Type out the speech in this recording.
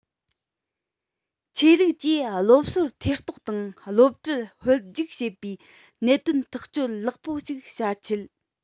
ཆོས ལུགས ཀྱིས སློབ གསོར ཐེ གཏོགས དང སློབ གྲྭར ཧོལ རྒྱུག བྱེད པའི གནད དོན ཐག གཅོད ལེགས པོ ཞིག བྱ ཆེད